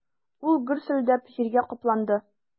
Ул гөрселдәп җиргә капланды.